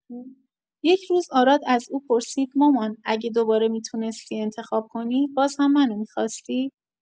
یک روز، آراد از او پرسید: «مامان، اگه دوباره می‌توانستی انتخاب کنی، باز هم منو می‌خواستی؟»